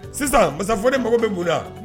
Sisan mansaf ni mago bɛ b' la